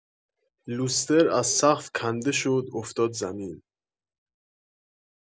لوستر از سقف کنده شد افتاد زمین